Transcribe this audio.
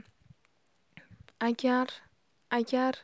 agar agar